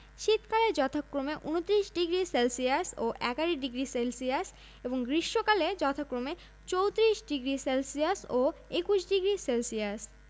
পাহাড়পুর বৌদ্ধমঠ থেকে ১৪দশমিক ৫ কিলোমিটার দক্ষিণে মহাস্থান থেকে পঞ্চাশ কিলোমিটার উত্তর পশ্চিমে